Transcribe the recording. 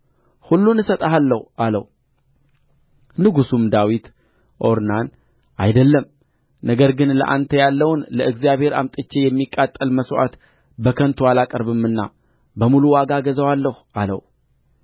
ሁሉን እሰጣለሁ አለው ንጉሡም ዳዊት ኦርናን አይደለም ነገር ግን ለአንተ ያለውን ለእግዚአብሔር አምጥቼ የሚቃጠል መሥዋዕት በከንቱ አላቀርብምና በሙሉ ዋጋ እገዛዋለሁ አለው